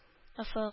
Офык